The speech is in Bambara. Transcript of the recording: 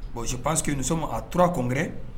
Bon je pense que nous sommes à 3 congrès